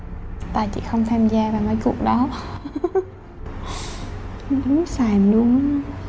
tại chị không tham gia vào mấy cuộc đó đúng xàm luôn á